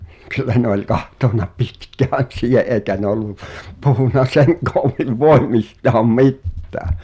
kyllä ne oli katsonut pitkään siihen eikä ne ollut puhunut sen koommin voimistaan mitään